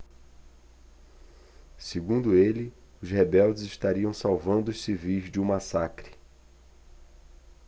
segundo ele os rebeldes estariam salvando os civis de um massacre